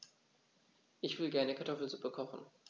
Ich will gerne Kartoffelsuppe kochen.